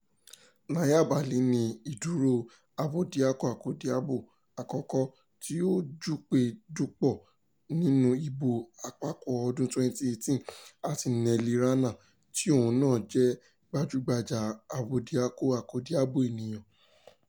Nayaab Ali (ní ìdúró), abódiakọ-akọ́diabo àkọ́kọ́ tí ó dújedupò nínú ìbò àpapọ̀ ọdún 2018, àti Neeli Rana, tí òun náà jẹ́ gbajúgbajà abódiakọ-akọ́diabo ènìyàn.